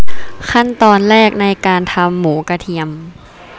ขั้นตอนแรกในการทำหมูกระเทียม